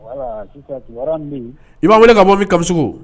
I b'a wele ka bɔ' kami